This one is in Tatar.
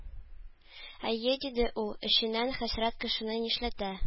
«әйе,— диде ул эченнән,—хәсрәт кешене нишләтә!»